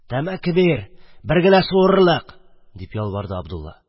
Тәмәке бир... Бер генә суырырлык! – дип ялварды Абдулла.